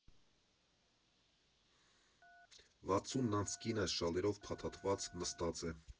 Վաթսունն անց կինը՝ շալերով փաթաթված, նստած է։